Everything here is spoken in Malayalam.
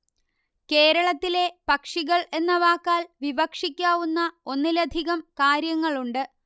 കേരളത്തിലെ പക്ഷികള് എന്ന വാക്കാൽ വിവക്ഷിക്കാവുന്ന ഒന്നിലധികം കാര്യങ്ങളുണ്ട്